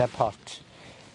y pot.